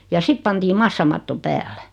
ja sitten pantiin massamatto päälle